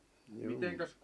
juu